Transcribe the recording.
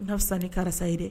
N ka fusa ni karisa ye dɛ